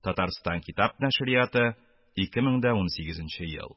Татарстан китап нәшрияты, 2018 ел